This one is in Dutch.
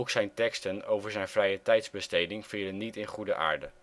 zijn teksten over zijn vrijetijdsbesteding vielen niet in goede aarde